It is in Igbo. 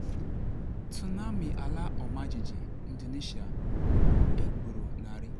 Tsunami ala ọmajiji Indonesia: egburu narị